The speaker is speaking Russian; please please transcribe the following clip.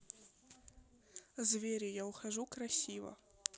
звери я ухожу красиво